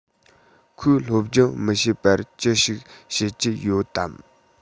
ཁོས སློབ སྦྱོང མི བྱེད པར ཅི ཞིག བྱེད ཀྱིན ཡོད དམ